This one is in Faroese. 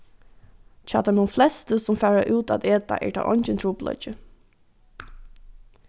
hjá teimum flestu sum fara út at eta er tað eingin trupulleiki